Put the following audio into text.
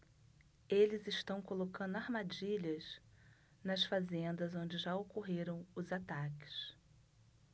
eles estão colocando armadilhas nas fazendas onde já ocorreram os ataques